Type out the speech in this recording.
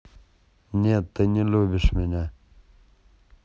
нет ты не любишь меня